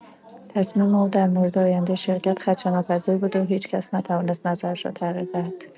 تصمیم او در مورد آینده شرکت خدشه‌ناپذیر بود و هیچ‌کس نتوانست نظرش را تغییر دهد.